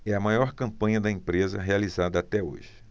é a maior campanha da empresa realizada até hoje